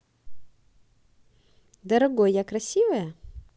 дорогой я красивая